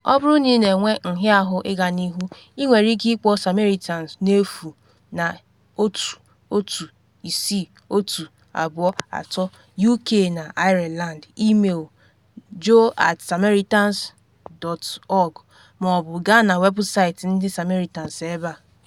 Ọ bụrụ na ị na enwe nhịahụ ịga n’ihu, ị nwere ike ịkpọ Samaritans n’efu na 116 123 (UK and Ireland), email jo@samaritans.org, ma ọ bụ gaa na weebụsaịtị ndị Samaritans ebe a.